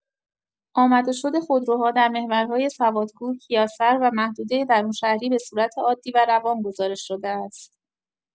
آمد و شد خودروها در محورهای سوادکوه، کیاسر و محدوده درون‌شهری به صورت عادی و روان گزارش‌شده است.